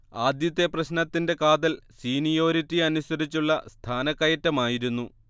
ആദ്യത്തെ പ്രശ്നത്തിന്റെ കാതൽ സീനിയോരിറ്റി അനുസരിച്ചുള്ള സ്ഥാനക്കയറ്റമായിരുന്നു